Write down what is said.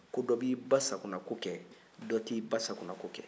ko dɔ b'i ba sagonako kɛ dɔ t'i ba sagonako kɛ